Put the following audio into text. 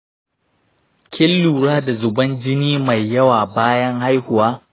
kin lura da zuban jini mai yawa bayan haihuwa?